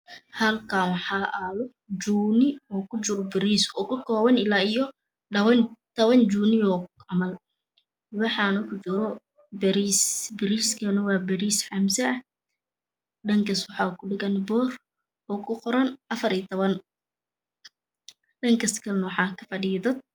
Halkaani waxaa Aalo bjuul oo ku jiro bariis oo ka kooban ilaa iyo labado iyo toban juuniyoo oo camal waxaana ku jiro bariis, bariiskana waa bariis xamzr ah dhankaas waxa ku dhagan bur oo ku qoran afar iyo toban dhankaas kalena waxaa ka fadhiyo dad